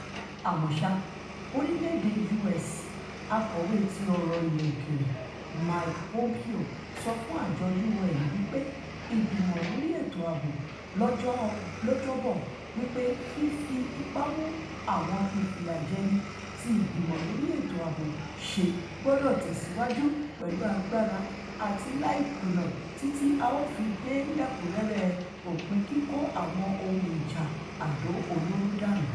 Àmọ́ sá, orílẹ̀-èdè U.S Akọ̀wé ti Ọ̀rọ̀ Ilẹ̀ Òkèèrè Mike Pompeo sọ fún àjọ UN wí pé Ìgbìmọ lórí Ètò Ààbo lọ́jọ́ 'Bọ̀ wí pé: ''Fífi ipá mú àwọn ìfìyàjẹni ti Ìgbìmọ lórí Ètò Ààbo ṣẹ gbọdọ̀ tẹ̀síwájú pẹ̀lú agbára àti láìkùnà títí a ó fi dé lẹ́ẹ̀kúnrẹ́rẹ́, òpin, kíkó àwọn ohun ìjà àdó olóró dànù.